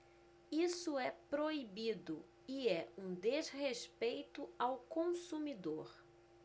isso é proibido e é um desrespeito ao consumidor